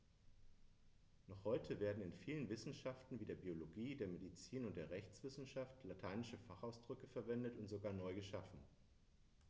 Noch heute werden in vielen Wissenschaften wie der Biologie, der Medizin und der Rechtswissenschaft lateinische Fachausdrücke verwendet und sogar neu geschaffen.